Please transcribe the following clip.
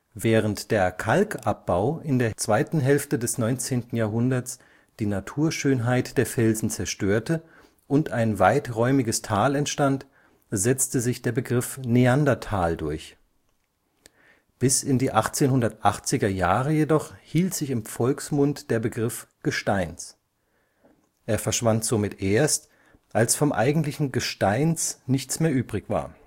Während der Kalkabbau in der zweiten Hälfte des 19. Jahrhunderts die Naturschönheit der Felsen zerstörte und ein weiträumiges Tal entstand, setzte sich der Begriff Neanderthal durch. Bis in die 1880er Jahre jedoch hielt sich im Volksmund der Begriff Gesteins. Er verschwand somit erst, als vom eigentlichen Gesteins nichts mehr übrig war